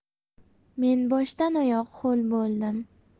men boshdan oyoq ho'l bo'ldim